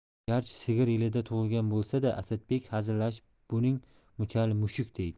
garchi sigir yilida tug'ilgan bo'lsa da asadbek hazillashib buning muchali mushuk deydi